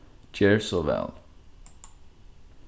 ger so væl